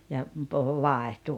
ja puhui vaihtui